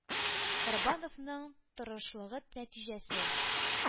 Корбановның тырышлыгы нәтиҗәсе.